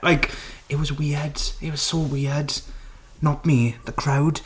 Like, it was weird. It was so weird. Not me. The crowd.